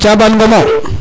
Thiaban Ngom o